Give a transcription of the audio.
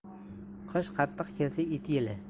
qish qattiq kelsa it yili